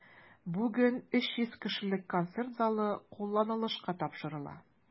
Бүген 300 кешелек концерт залы кулланылышка тапшырыла.